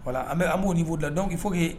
Voilà an bɛ an b'o niveau de la donc il faut que